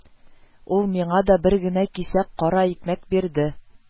Ул миңа да бер генә кисәк кара икмәк бирде